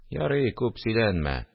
– ярый, күп сөйләнмә